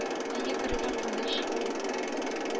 Бу гаҗәеп үзгә мохит.